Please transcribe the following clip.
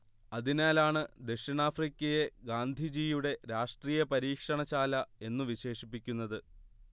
അതിനാലാണ് ദക്ഷിണാഫ്രിക്കയെ ഗാന്ധിജിയുടെ രാഷ്ട്രീയ പരീക്ഷണ ശാല എന്നു വിശേഷിപ്പിക്കുന്നത്